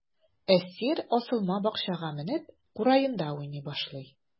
Әсир асылма бакчага менеп, кураенда уйный башлый.